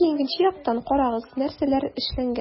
Ләкин икенче яктан - карагыз, нәрсәләр эшләнгән.